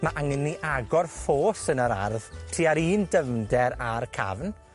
ma' angen ni agor ffos yn yr ardd, tua'r un dyfnder a'r cafn,